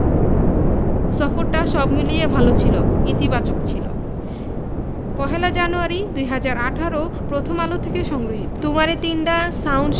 শ্রীলঙ্কা সফরটা সব মিলিয়ে ভালো ছিল ইতিবাচক ছিল ০১ জানুয়ারি ২০১৮ প্রথম আলো হতে সংগ্রহীত